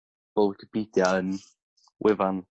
bo' Wicipidia yn wefan